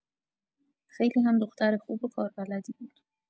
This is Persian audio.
خیلی هم دختر خوب و کاربلدی بود.